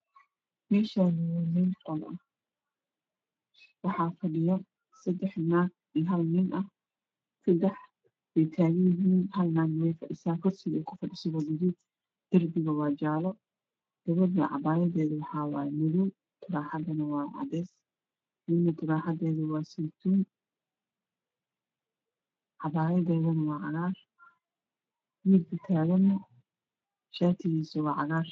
Meshani waa meel qol ah waxaa fadhiya sedax naag iyo hal niin sedax way tagan yihii halna way fadhisa kursiga ey ku fadhisa waa gaduud derbiga waa jalo gabadha cabayadeeda waa madow turaxadeeda waa cadees midna turaxadeedu waa seytuni cabayadeedana waa cagar nika tagana sharkiisu waa cadees